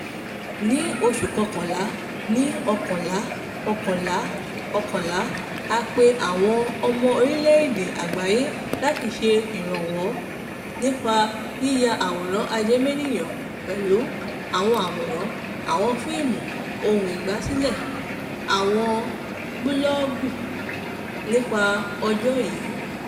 Ní oṣù Kọkànlá, ní 11/11/11 a pé àwọn ọmọ orílẹ̀ èdè àgbáyé láti ṣe ìrànwọ́ nípa yíya àwòrán ìjẹ́mọnìyàn pẹ̀lú: àwọn àwòrán, àwọn fíìmù, ohùn àgbàsílẹ̀, àwọn búlọ́ọ̀gù nípa ọjọ́ yìí.